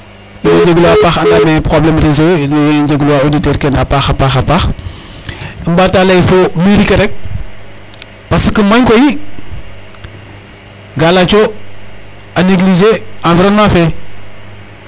In way njeegluwaa a paax a paax andaam ee problème réseau yo in way njeegluwaa auditeur ke a paax, a paax, a paax a paax ɓaata lay fo mairie ke rek parce que mayu koy ga yaac o négliger environnement fe.